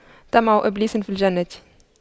طمع إبليس في الجنة